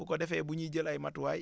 bu ko defee bu ñuy jël ay matuwaay